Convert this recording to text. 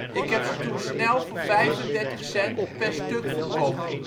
Ik heb ze toen snel voor vijfendertig cent per stuk verkocht